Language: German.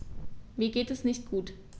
Mir geht es nicht gut.